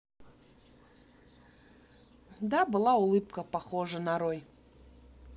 да была улыбка похожа нарой